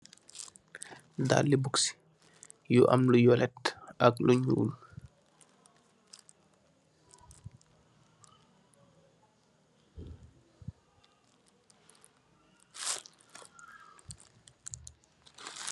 Daal i buksi, yu am yollet, ak lu ñuul.